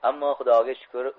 ammo xudoga shukur